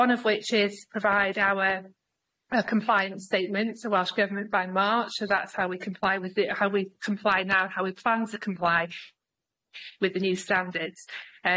One of which is provide our our compliance statements to Welsh Government by March so that's how we comply with the how we comply now how we plan to comply with the new standards.